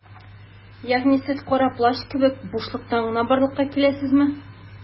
Ягъни сез Кара Плащ кебек - бушлыктан гына барлыкка киләсезме?